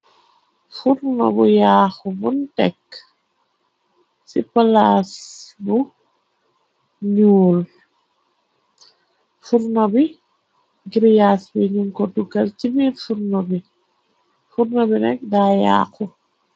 Furna bu yaaxu bun tekk ci palaas bu nuul furna bi giryaas bi nyun ko tugal ci biir furna bi furna bi nak daa yaaqu.